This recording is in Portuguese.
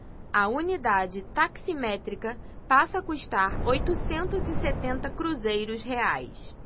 a unidade taximétrica passa a custar oitocentos e setenta cruzeiros reais